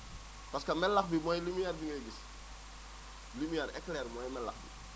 parce que melax bi mooy lumière bi ngay gis lumière éclaire mooy melax bi